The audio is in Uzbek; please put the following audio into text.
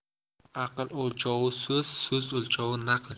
aql o'lchovi so'z so'z o'lchovi naql